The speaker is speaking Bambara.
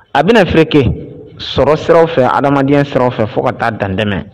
A bɛna fɛ kɛ sɔrɔ siraw fɛ adamadenya siraw fɛ fo ka taa dantɛmɛ